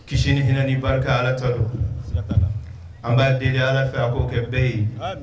Kisi hinɛ ni barika ala ta an b'a deli ala fɛ a k'o kɛ bɛɛ ye